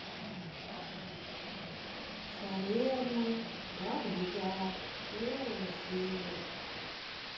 царевна баба яга первая серия